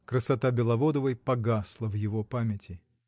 Красота Беловодовой погасла в его памяти.